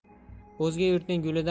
o'zga yurtning gulidan